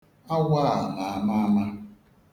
Awọ a na-ama ama.